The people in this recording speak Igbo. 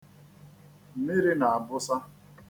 Mmiri na-abụsa.